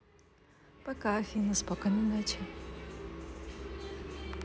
пока афина спокойной ночи